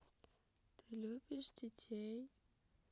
ты любишь детей